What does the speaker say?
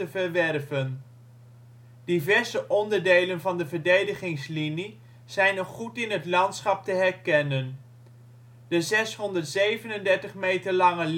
verwerven. Diverse onderdelen van de verdedigingslinie zijn nog goed in het landschap te herkennen: de 637 meter lange liniedijk